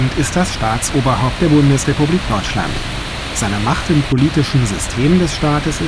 ist das Staatsoberhaupt der Bundesrepublik Deutschland. Durch das Grundgesetz ist seine Macht im politischen System des Landes